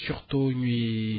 surtout ñuy